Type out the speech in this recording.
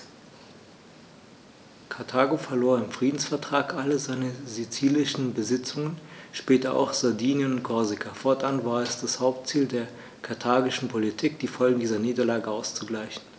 Karthago verlor im Friedensvertrag alle seine sizilischen Besitzungen (später auch Sardinien und Korsika); fortan war es das Hauptziel der karthagischen Politik, die Folgen dieser Niederlage auszugleichen.